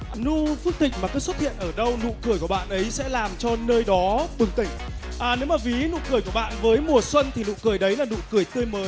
nu phước thịnh bạn cứ xuất hiện ở đâu nụ cười của bạn ấy sẽ làm cho nơi đó bừng tỉnh ờ nếu mà ví nụ cười của bạn với mùa xuân thì nụ cười đấy là nụ cười tươi mới